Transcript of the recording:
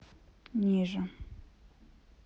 ниже